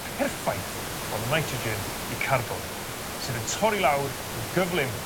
perffaith o nitrogen i carbwn sydd yn torri lawr yn gyflym